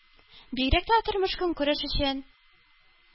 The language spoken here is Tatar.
Бигрәк тә тормыш-көнкүреш өчен